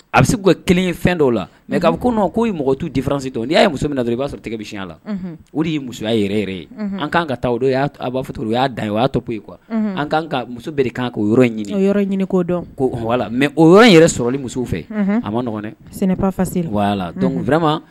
A bɛ se k'u ka kelen ye fɛn dɔw la mɛ' fɔ ko k'o ye mɔgɔtu diraransi to n'i' yea muso min na dɔrɔn i b'a sɔrɔ tigɛya la o de ye musoya yɛrɛ ye an k kaan ka taa b'a fɔ to u y'a da o y'a tɔ yen kuwa an k' ka muso kan ko o in ɲini yɔrɔ ɲini ko dɔn la mɛ o yɔrɔ in yɛrɛ sɔrɔli muso fɛ a maɔgɔn senfaya lama